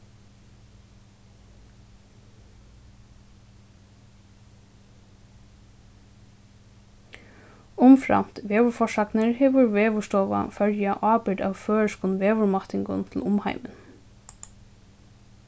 umframt veðurforsagnir hevur veðurstova føroya ábyrgd av føroyskum veðurmátingum til umheimin